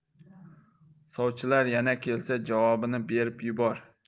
sovchilar yana kelsa javobini berib yubor